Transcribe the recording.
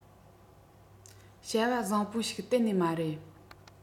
བྱ བ བཟང པོ ཞིག གཏན ནས མ རེད